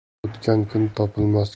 o'tgan kun topilmas